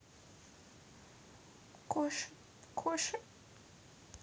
коша коша